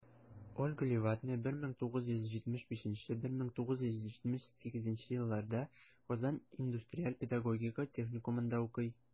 Ольга Левадная 1975-1978 елларда Казан индустриаль-педагогика техникумында укый.